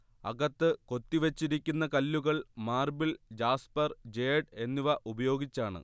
അകത്ത് കൊത്തി വച്ചിരിക്കുന്ന കല്ലുകൾ മാർബിൾ, ജാസ്പർ, ജേഡ് എന്നിവ ഉപയോഗിച്ചാണ്